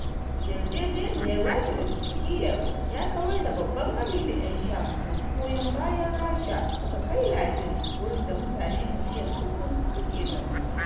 Yarjejeniyar Rasha da Turkiyar ya kawar da babban hari da ‘yan Sham masu goyon bayan Rasha suka kai lardin, wurin da mutane miliyan uku suke zama.